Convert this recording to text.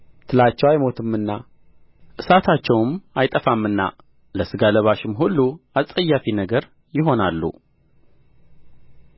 ትላቸው አይሞትምና እሳታቸውም አይጠፋምና ለሥጋ ለባሽም ሁሉ አስጸያፊ ነገር ይሆናሉ